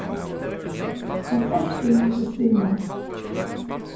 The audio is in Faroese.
hvar fert tú kristina